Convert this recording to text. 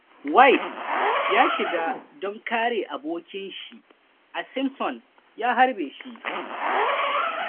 Wayde ya shiga don kare abokinsa shi ne Simpson ya harbe shi.